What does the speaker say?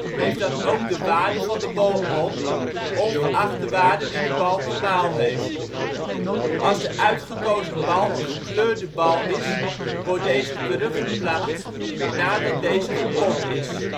waarde van de ball-on, ongeacht de waarde die de bal normaal heeft. Als de uitgekozen bal een gekleurde bal is, wordt deze teruggeplaatst nadat deze gepot is